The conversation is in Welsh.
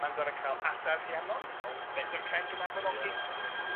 ...ma'n gor'o' ca'l adar Rhiannon o bedr cainc y mabinogi. Ia.